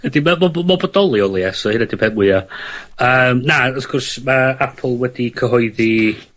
Ydi ma' ma'n ma'n bodolio o leia. So hynna 'di peth mway . Yym na wrth gwrs ma' Apple wedi cyhoeddi